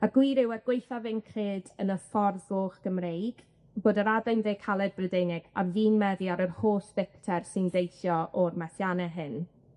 A'r gwir yw, er gwaethaf ein cred yn y ffordd goch Gymreig, bod yr adain dde caled Brydeinig ar fin meddu ar yr holl ddicter sy'n deillio o'r methianne hyn.